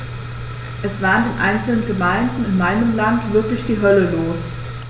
Es war in einzelnen Gemeinden in meinem Land wirklich die Hölle los.